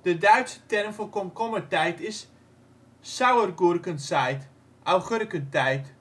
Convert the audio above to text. De Duitse term voor komkommertijd is Sauregurkenzeit (augurkentijd